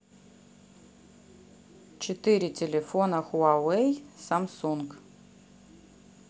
четыре телефона huawei samsung